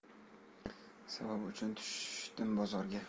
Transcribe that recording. savob uchun tushdim bozorga